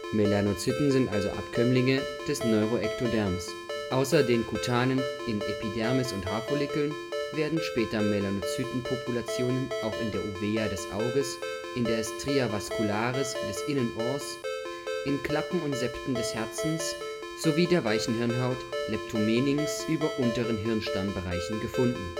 Melanozyten sind also Abkömmlinge des Neuroektoderms. Außer den kutanen in Epidermis und Haarfollikeln werden später Melanozytenpopulationen auch in der Uvea des Auges, in der Stria vascularis des Innenohrs, in Klappen und Septen des Herzens, sowie in der weichen Hirnhaut (Leptomeninx) über unteren Hirnstamm-Bereichen gefunden